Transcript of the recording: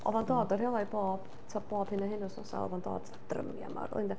Oedd o'n dod yn rheolaidd bob, ti'n gwybod, bob hyn a hyn o wythnosau, oedd o'n dod drymiau mawr fel hyn de.